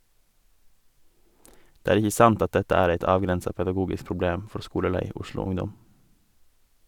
Det er ikkje sant at dette er eit avgrensa pedagogisk problem for skolelei Oslo-ungdom.